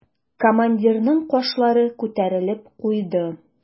Командирның кашлары күтәрелеп куйды.